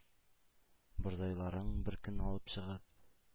Бурзайларың бер көн алып чыгып